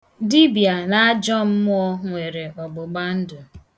Dibia na ajọmmụọ nwere ọgbụgbandụ.